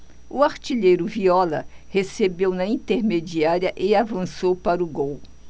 o artilheiro viola recebeu na intermediária e avançou para o gol